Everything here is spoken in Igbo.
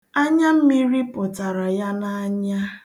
Anyammiri pụtara ya n'anya.